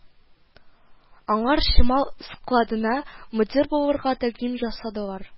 Аңар чимал складына мөдир булырга тәкъдим ясадылар